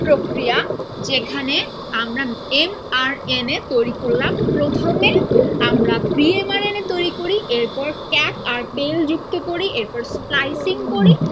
প্রক্রিয়া যেখানে আমরা এম আর এন এ তৈরি করলাম প্রথমে আমরা pre M R N A তৈরি করি এরপর ক্যাপ আর টেইল যুক্ত করি এরপর স্প্লাইসিং করি